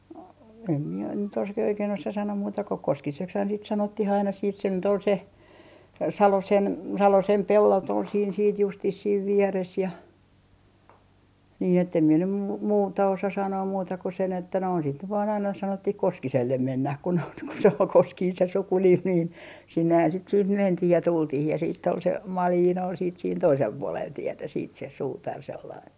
en minä nyt -- oikein osaa sanoa muuta kuin Koskiseksihan sitä sanottiin aina siitä se nyt oli se Salosen Salosen pellot oli siinä sitten justiin siinä vieressä ja niin että en minä nyt - muuta osaa sanoa muuta kuin sen että noin sitä nyt vain aina sanottiin Koskiselle mennään kun noita kun se oli Koskinen se sukunimi niin sinnehän sitten siihen mentiin ja tultiin ja sitten oli se Malinen oli sitten siinä toisella puolella tietä sitten se suutari sellainen